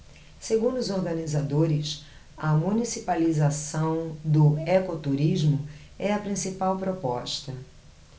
segundo os organizadores a municipalização do ecoturismo é a principal proposta